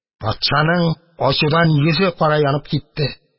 Патшаның ачудан йөзе кара янып китте.